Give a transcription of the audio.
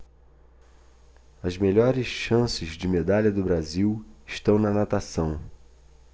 as melhores chances de medalha do brasil estão na natação